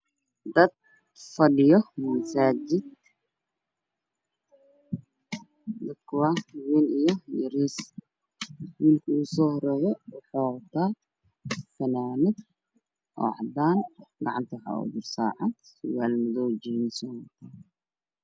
Dad fadhiyo masaajid waana nin io wiil , wiilkuna uu horeeyo wuxuu wataa funaanad oo cadaan ah gacantana waa ugu jira saacad sarwaal madow oo jeemis ah